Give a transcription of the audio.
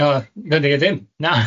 Na, na dydi e ddim, na.